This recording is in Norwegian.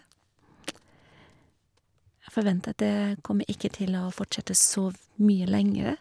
Jeg forventer at det kommer ikke til å fortsette så v mye lengre.